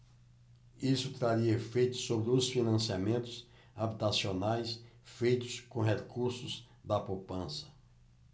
isso traria efeitos sobre os financiamentos habitacionais feitos com recursos da poupança